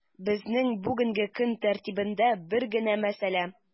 Безнең бүгенге көн тәртибендә бер генә мәсьәлә: